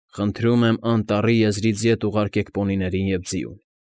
Խնդրում եմ անտառի եզրից ետ ուղարկեք պոնիներին և ձիուն։